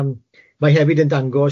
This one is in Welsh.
Yym mae hefyd yn dangos